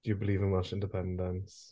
Do you believe in Welsh independence?